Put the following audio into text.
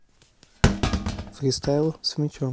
фристайл с мячом